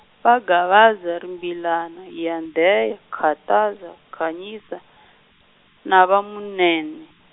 va Gavaza, Rimbilana, Yandheya, Khataza, Khanyisa, na va Munene.